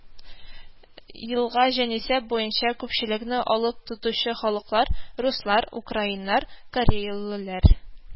Елгы җанисәп буенча күпчелекне алып торучы халыклар: руслар, украиннар , кореялеләр